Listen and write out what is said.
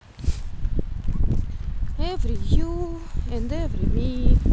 эври ю энд эври ми